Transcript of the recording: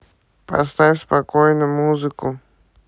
поставь спокойную музыку